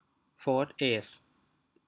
โฟธเอซ